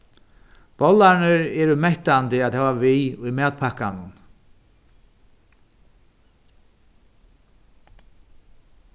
bollarnir eru mettandi at hava við í matpakkanum